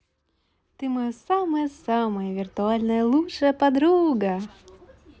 ты мое самое самое виртуальная лучшая подруга